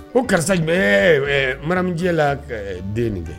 O karisa jumɛn manamijɛ la den nin kɛ